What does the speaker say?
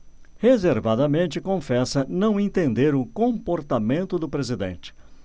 reservadamente confessa não entender o comportamento do presidente